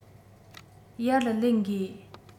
ཡར ལེན དགོས